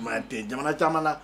Maa tɛ jamana caman na